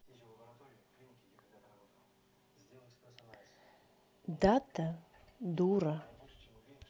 дата дура